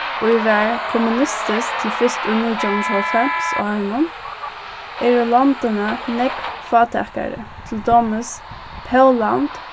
ið var kommunistiskt til fyrst í nítjan hundrað og hálvfems árunum eru londini nógv fátækari til dømis pólland